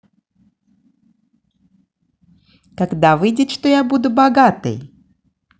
когда выйдет что я буду богатой